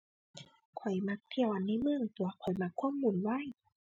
ข้อยมักเที่ยวในเมืองตั่ว ข้อยมักความวุ่นวาย